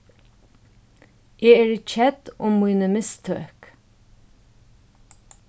eg eri kedd um míni mistøk